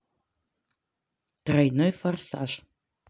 тройной форсаж